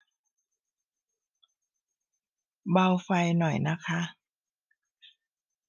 เบาไฟหน่อยนะคะ